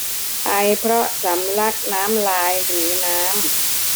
ไอเพราะสำลักน้ำลายหรือน้ำ